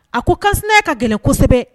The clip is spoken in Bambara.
A ko ka ka gɛlɛn kosɛbɛ